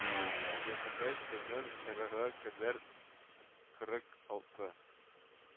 Ясагач безнең эрага кадәр кырык алты